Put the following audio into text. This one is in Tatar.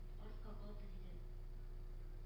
Артка калды...—дидем